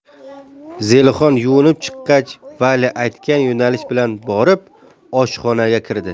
zelixon yuvinib chiqqach valya aytgan yo'nalish bilan borib oshxonaga kirdi